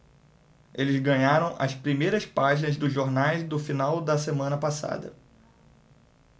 eles ganharam as primeiras páginas dos jornais do final da semana passada